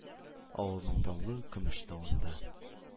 Авылның данлы «Көмеш тавында».